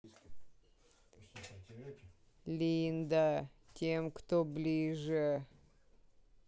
линда тем кто ближе